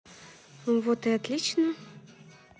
вот и отлично